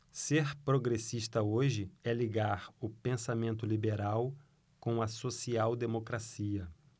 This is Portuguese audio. ser progressista hoje é ligar o pensamento liberal com a social democracia